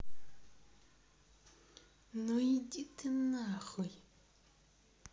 ну иди ты нахуй